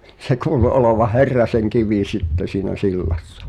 se kuului olevan Herrasenkivi sitten siinä sillassa